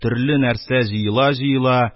Төрле нәрсә җыела-җыела